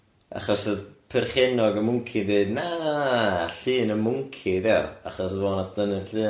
Achos oedd perchennog y mwnci yn dweud na na llun y mwnci dio achos fo nath dynnu'r llun.